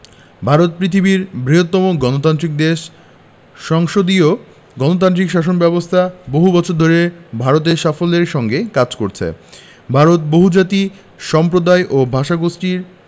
ভারত পৃথিবীর বৃহত্তম গণতান্ত্রিক দেশ সংসদীয় গণতান্ত্রিক শাসন ব্যাবস্থা বহু বছর ধরে ভারতে সাফল্যের সঙ্গে কাজ করছে ভারত বহুজাতি সম্প্রদায় ও ভাষাগোষ্ঠীর